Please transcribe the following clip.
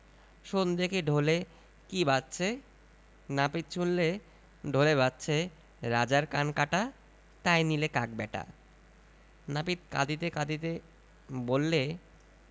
শোন দেখি ঢোলে কী বাজছে নাপিত শুনলে ঢোলে বাজছে ‘রাজার কান কাটা তাই নিলে কাক ব্যাটা নাপিত কঁদিতে কঁদিতে বললে